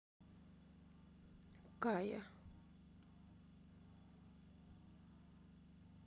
кая